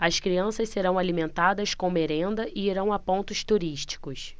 as crianças serão alimentadas com merenda e irão a pontos turísticos